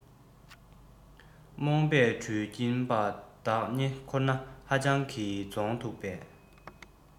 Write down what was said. རྨོངས པས འདྲུལ གྱིན པ དག ཉེ འཁོར ན ཧ ཅང གི རྫོང མཐུག པས